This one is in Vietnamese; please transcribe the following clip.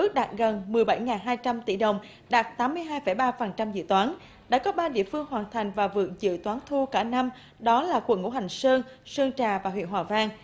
ước đạt gần mười bảy ngàn hai trăm tỷ đồng đạt tám mươi hai phẩy ba phần trăm dự toán đã có ba địa phương hoàn thành và vượt dự toán thu cả năm đó là quận ngũ hành sơn sơn trà và huyện hòa vang